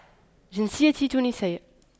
جنسيتي تونسية